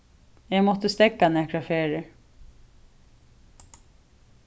eg mátti steðga nakrar ferðir